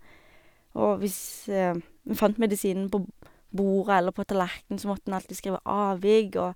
Og hvis vi fant medisinen på b bordet eller på tallerkenen, så måtte en alltid skrive avvik, og...